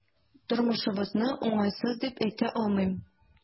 Тормышыбызны уңышсыз дип әйтә алмыйм.